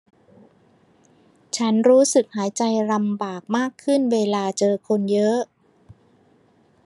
ฉันรู้สึกหายใจลำบากมากขึ้นเวลาเจอคนเยอะ